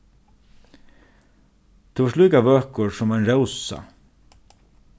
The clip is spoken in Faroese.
tú ert líka vøkur sum ein rósa